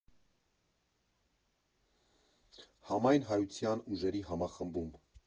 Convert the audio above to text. Համայն հայության ուժերի համախմբում։